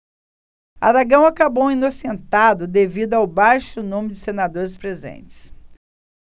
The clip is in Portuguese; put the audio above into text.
aragão acabou inocentado devido ao baixo número de senadores presentes